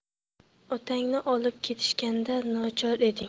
otangni olib ketishganda nochor eding